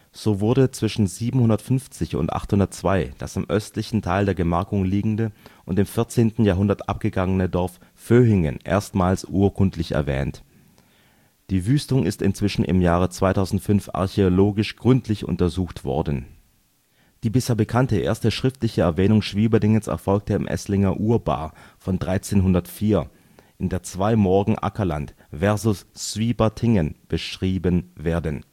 So wurde zwischen 750 und 802 das im östlichen Teil der Gemarkung liegende und im 14. Jahrhundert abgegangene Dorf Vöhingen erstmals urkundlich erwähnt. Die Wüstung ist inzwischen im Jahre 2005 archäologisch gründlich untersucht worden. Schwieberdingen um 1684 Die bisher bekannte erste schriftliche Erwähnung Schwieberdingens erfolgte im Esslinger Urbar von 1304, in der zwei Morgen Ackerland versus Swiebertingen beschrieben werden